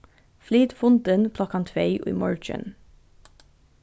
flyt fundin klokkan tvey í morgin